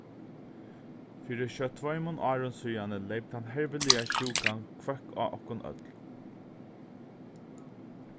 fyri skjótt tveimum árum síðani leyp tann herviliga sjúkan hvøkk á okkum øll